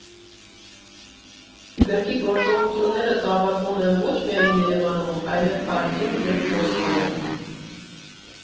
Գրքի գործողությունները ծավալվում են ոչ միայն Երևանում, այլև Փարիզում և Մոսկվայում։